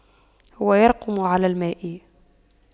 هو يرقم على الماء